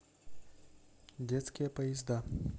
детские поезда